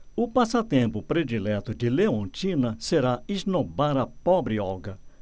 o passatempo predileto de leontina será esnobar a pobre olga